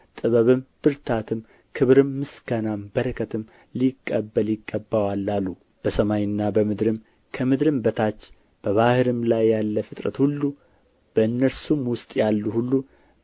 ጥበብም ብርታትም ክብርም ምስጋናም በረከትም ሊቀበል ይገባዋል አሉ በሰማይና በምድርም ከምድርም በታች በባሕርም ላይ ያለ ፍጥረት ሁሉ በእነርሱም ውስጥ ያለ ሁሉ